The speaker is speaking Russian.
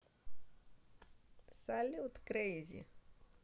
салют крейзи